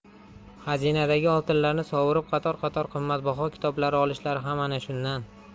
xazinadagi oltinlarni sovurib qator qator qimmatbaho kitoblar olishlari ham ana shundan